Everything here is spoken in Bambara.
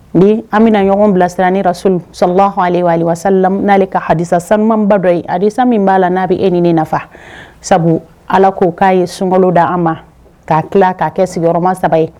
Bi an bɛna ɲɔgɔn bilasira ni rasul aleyi salatu wa salam ka hadisa sanumanba dɔ ye hadisa min b'a la n'a bɛ e ni ne nafa, sabu ala ko k'a ye sunkalo d'an ma k'a tila k'a kɛ sigiyɔrɔma saba ye.